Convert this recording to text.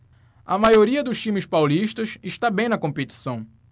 a maioria dos times paulistas está bem na competição